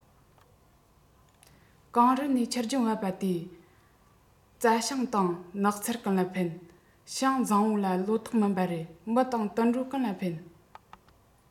གངས རི ནས ཆུ རྒྱུན བབས པ དེ རྩྭ ཤིང དང ནགས ཚལ ཀུན ལ ཕན ཞིང བཟང པོ ལ ལོ ཏོག སྨིན པ རེད མི དང དུད འགྲོ ཀུན ལ ཕན